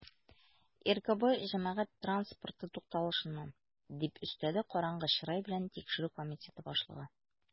"ркб җәмәгать транспорты тукталышыннан", - дип өстәде караңгы чырай белән тикшерү комитеты башлыгы.